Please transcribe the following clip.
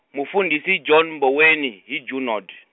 mufundhisi John Mboweni hi Junod.